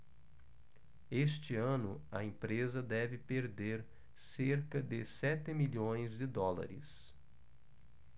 este ano a empresa deve perder cerca de sete milhões de dólares